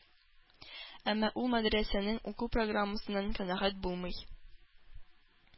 Әмма ул мәдрәсәнең уку программасыннан канәгать булмый,